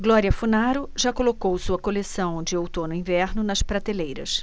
glória funaro já colocou sua coleção de outono-inverno nas prateleiras